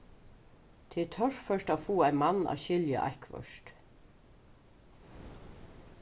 tað er torført at fáa ein mann at skilja eitthvørt